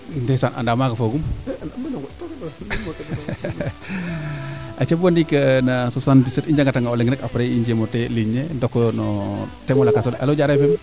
ndeysaan anda maaga fogum aca bo ndiik no 77 i njanga tanga o leŋ rek apres i njemo teye ligne ne daku no theme o lakasole